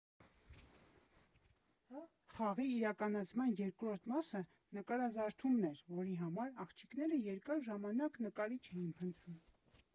Խաղի իրականացման երկրորդ մասը նկարազարդումն էր, որի համար աղջիկները երկար ժամանակ նկարիչ էին փնտրում։